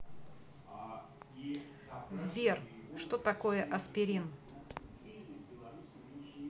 сбер что такое аспирин